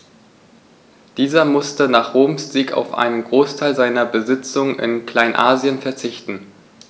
Dieser musste nach Roms Sieg auf einen Großteil seiner Besitzungen in Kleinasien verzichten.